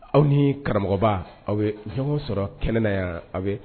Aw ni karamɔgɔba aw bɛ ɲɔgɔn sɔrɔ kɛnɛ na yan aw bɛ